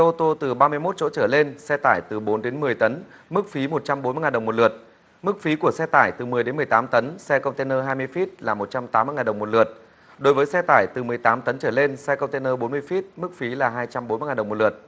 ô tô từ ba mươi mốt chỗ trở lên xe tải từ bốn đến mười tấn mức phí một trăm bốn mươi ngàn đồng một lượt mức phí của xe tải từ mười đến mười tám tấn xe công te nơ hai mươi phít là một trăm tám mươi ngàn đồng một lượt đối với xe tải từ mười tám tấn trở lên xe công te nơ bốn mươi phít mức phí là hai trăm bốn mươi ngàn đồng một lượt